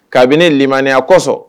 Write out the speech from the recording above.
Kabini limaniya kɔsɔn.